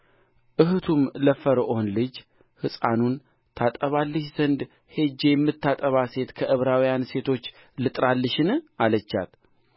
እኅቱም ለፈርዖን ልጅ ሕፃኑን ታጠባልሽ ዘንድ ሄጄ የምታጠባ ሴት ከዕብራውያን ሴቶች ልጥራልሽን አለቻት